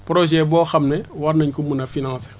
projet boo xam ne war nañ ko mun a financer